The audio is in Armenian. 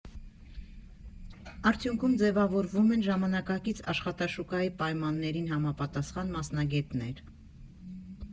Արդյունքում ձևավորվում են ժամանակակից աշխատաշուկայի պայմաններին համապատասխան մասնագետներ։